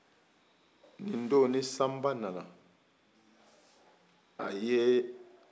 ni don ni sanba nana a ye